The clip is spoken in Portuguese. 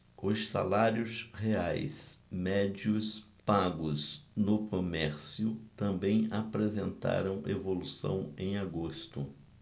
os salários reais médios pagos no comércio também apresentaram evolução em agosto